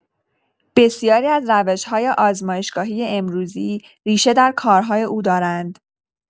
بسیاری از روش‌های آزمایشگاهی امروزی ریشه در کارهای او دارند.